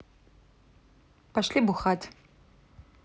пошли бухать